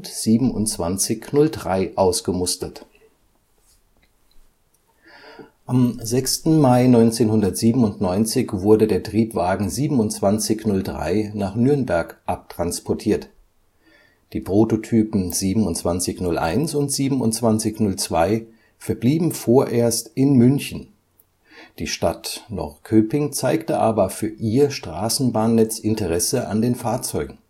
2703 ausgemustert. Am 6. Mai 1997 wurde der Triebwagen 2703 nach Nürnberg abtransportiert. Die Prototypen 2701 und 2702 verblieben vorerst in München, die Stadt Norrköping zeigte aber für ihr Straßenbahnnetz Interesse an den Fahrzeugen